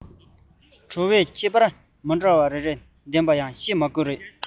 བྲོ བའི ཁྱད པར མི འདྲ བ རེ རེ ལྡན པའང བཤད མ དགོས པ རེད